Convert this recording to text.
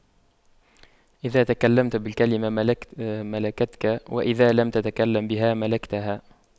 إذا تكلمت بالكلمة ملكتك وإذا لم تتكلم بها ملكتها